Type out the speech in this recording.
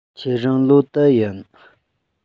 ཁྱེད རང ལོ དུ ཡིན